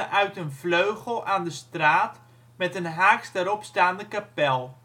uit een vleugel aan de straat met een haaks daarop staande kapel